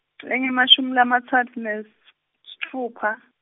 lengemashumi lamatsatfu nesitfupha.